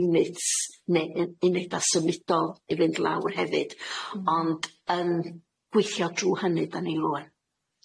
units neu yy uneda symudol i fynd lawr hefyd ond yn gweithio drw hynny da ni rŵan.